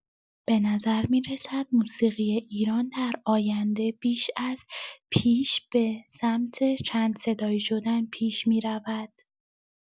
به نظر می‌رسد موسیقی ایران در آینده بیش از پیش به سمت چندصدایی شدن پیش می‌رود؛